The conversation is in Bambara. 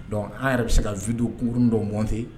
Dɔn an yɛrɛ bɛ se ka vidokurun dɔ mɔnte